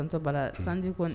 Tɔ bala sanji kɔn